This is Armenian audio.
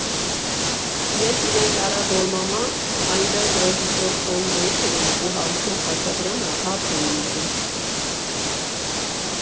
Երբ իրեն տարա «Դոլմամա», այնտեղ ռեժիսոր Շոն Բեյքերն ու Հարություն Խաչատրյանը հաց էին ուտում։